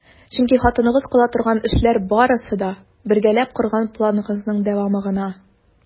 Чөнки хатыныгыз кыла торган эшләр барысы да - бергәләп корган планыгызның дәвамы гына!